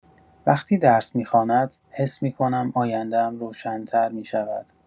وقتی درس می‌خواند حس می‌کنم آینده‌ام روشن‌تر می‌شود.